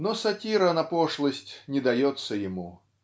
Но сатира на пошлость не дается ему